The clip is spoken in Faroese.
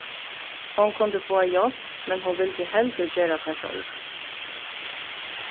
hon kundi fáa hjálp men hon vildi heldur gera tað sjálv